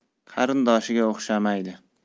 qarindoshiga o'xshamaydi